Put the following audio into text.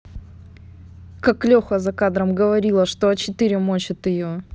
как леха за кадром говорила что а четыре мочит ее